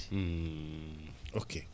ok